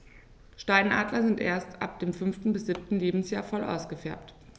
Steinadler sind erst ab dem 5. bis 7. Lebensjahr voll ausgefärbt.